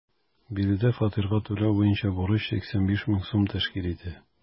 Биредә фатирга түләү буенча бурыч 85 мең сум тәшкил итә.